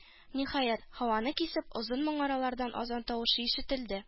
Ниһаять, һаваны кисеп озын манаралардан азан тавышы ишетелде.